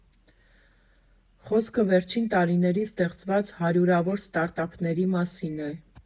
Խոսքը վերջին տարիներին ստեղծված հարյուրավոր ստարտափների մասին է։